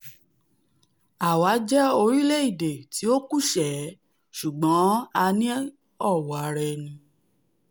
“Àwá jẹ́ orílẹ̀-èdè tí ò kúùṣẹ́, ṣ̵ùgbọ́n a ní ọ̀wọ̀ ara-ẹni.